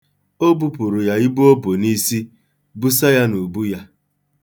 O bupụrụ ya bụ ibu n'isi ya, busa ya n'ubu ya.